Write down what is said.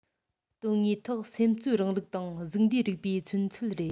དོན དངོས ཐོག སེམས གཙོའི རིང ལུགས དང གཟུགས འདས རིག པའི མཚོན ཚུལ རེད